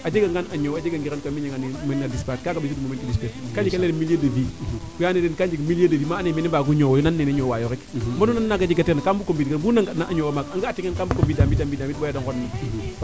a jega ngaan a ñoow a jega ngiran ka jeg kaa na keyel milieu de vie wee ando naye ka njeg milieu de vie wa ando naye mene mbaagi ñoowo yo nan nene ñowaa yo rek mbabu nan naaga jega teer na ka mbug ko mbindan a nga a ta ngirann kaa mbuko mbida mbid baya de ngon na